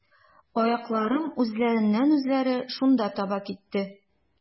Аякларым үзләреннән-үзләре шунда таба китте.